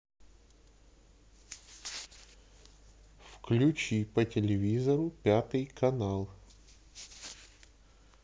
включи по телевизору пятый канал